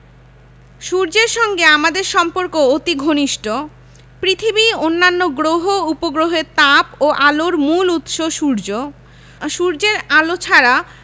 সূর্যের সঙ্গে আমাদের সম্পর্ক অতি ঘনিষ্ট পৃথিবী অন্যান্য গ্রহ উপগ্রহের তাপ ও আলোর মূল উৎস সূর্য সূর্যের আলো ছাড়া